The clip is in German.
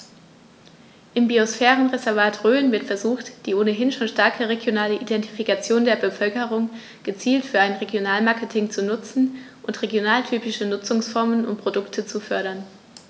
Im Biosphärenreservat Rhön wird versucht, die ohnehin schon starke regionale Identifikation der Bevölkerung gezielt für ein Regionalmarketing zu nutzen und regionaltypische Nutzungsformen und Produkte zu fördern.